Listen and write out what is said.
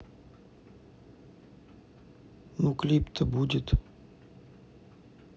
ну клип то будет